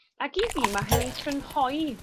Ag i fi ma' hynny'n crynhoi